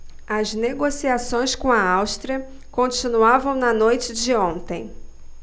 as negociações com a áustria continuavam na noite de ontem